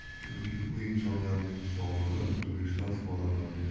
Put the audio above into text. chunki bu insonlarning sog'lig'i o'zbekiston fuqarolarining sog'lig'i